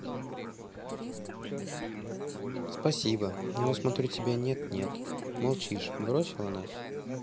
спасибо но я смотрю тебя нет нет молчишь бросила нас